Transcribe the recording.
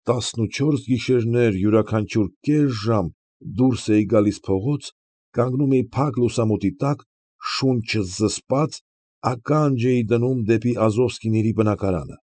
Տասնուչորս գիշերներ յուրաքանչյուր կես ժամ դուրս էի գալիս փողոց, կանգնում էի փակ լուսամուտի տակ, շունչս զսպած, ականջ էի դնում դեպի Ազովսկիների բնակարանը։